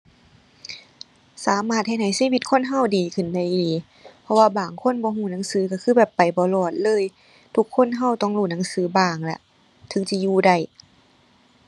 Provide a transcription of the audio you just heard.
สามารถเฮ็ดให้ชีวิตคนเราดีขึ้นได้อีหลี เพราะว่าบางคนบ่เราหนังสือเราคือแบบไปบ่รอดเลย ทุกคนเราต้องรู้หนังสือบ้างล่ะ ถึงจะอยู่ได้